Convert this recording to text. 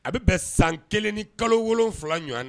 A bɛ bɛn san 1 ni kalo 7 ɲɔgɔn na